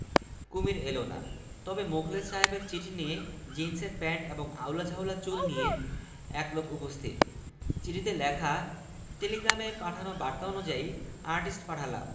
উৎসাহের জোয়ার চলে আসবে কথাটা ভুল বলনি সিদ্দিক সাহেবের মুখ থেকে মন খারাপের ভাব অনেকখানি দূর হয়ে গেল মুখলেস সাহেব পয়ত্রিশ হাজার টাকা নিয়ে ভোরের ট্রেনে ঢাকা চলে গেলেন